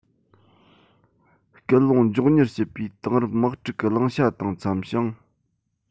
སྐུལ སློང མགྱོགས མྱུར བྱེད པའི དེང རབས དམག འཁྲུག གི བླང བྱ དང འཚམ ཞིང